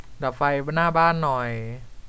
ดับไฟหน้าบ้านหน่อย